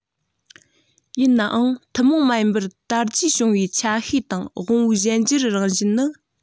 ཡིན ནའང ཐུན མོང མ ཡིན པར དར རྒྱས བྱུང བའི ཆ ཤས དང དབང པོའི གཞན འགྱུར རང བཞིན ནི